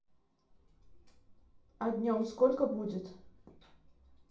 а днем сколько будет